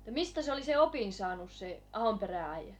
mistä se oli sen opin saanut se Ahonperän äijä